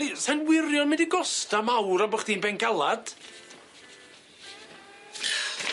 Ni- sa'n wirion mynd i gosta mawr am bo' chdi'n bengalad.